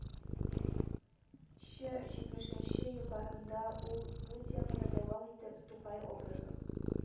Чы-җитмешенче елларында ул, бу теманы дәвам итеп, тукай образын